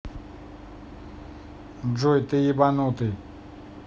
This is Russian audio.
джой ты ебанутый